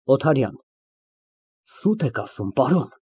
ՕԹԱՐՅԱՆ ֊ Սուտ եք ասում, պարոն։